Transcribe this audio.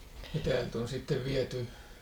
täältä on sitten viety